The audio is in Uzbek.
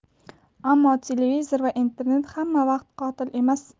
ammo televizor va internet hamma vaqt qotil emas